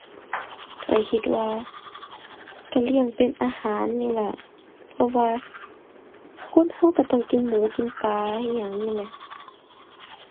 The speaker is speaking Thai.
ข้อยคิดว่าก็เลี้ยงเป็นอาหารนี่แหละ เพราะว่าคนก็ก็ต้องกินหมู กินปลาอิหยังนี่แหละ